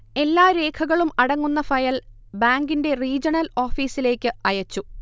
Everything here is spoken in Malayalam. എല്ലാരേഖകളും അടങ്ങുന്ന ഫയൽ ബാങ്കിന്റെ റീജണൽ ഓഫീസിലേക്ക് അയച്ചു